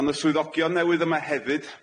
Ma' 'na swyddogion newydd yma hefyd.